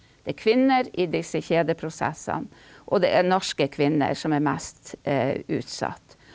det er kvinner i disse kjedeprosessene, og det er norske kvinner som er mest utsatt.